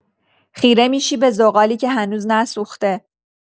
خیره می‌شی به زغالی که هنوز نسوخته.